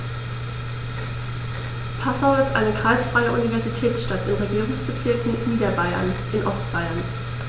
Passau ist eine kreisfreie Universitätsstadt im Regierungsbezirk Niederbayern in Ostbayern.